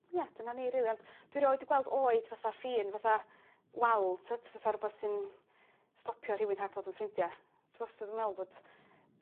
Ia dyna ni rili ont dwi rioed 'di gweld oed fatha ffin fatha wal t'od fatha rwbath sy'n stopio rhywun rhag bod yn ffrindia. Dwi wastad yn me'wl bot